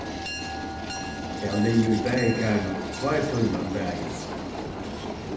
eg havi ligið í baðikarinum tveir tímar um dagin